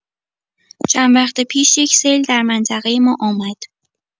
چند وقت پیش، یک سیل در منطقه ما آمد.